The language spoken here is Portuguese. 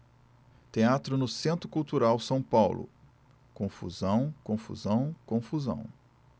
teatro no centro cultural são paulo confusão confusão confusão